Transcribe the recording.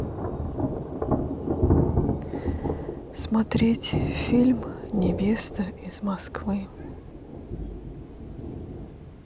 смотреть фильм невеста из москвы